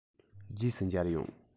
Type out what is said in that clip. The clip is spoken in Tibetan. རྗེས སུ མཇལ ཡོང